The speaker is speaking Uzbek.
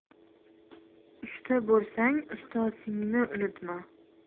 usta bo'lsang ustozingni unutma